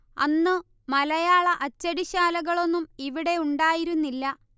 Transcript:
അന്നു മലയാള അച്ചടിശാലകളൊന്നും ഇവിടെ ഉണ്ടായിരുന്നില്ല